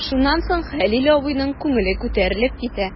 Шуннан соң Хәлил абыйның күңеле күтәрелеп китә.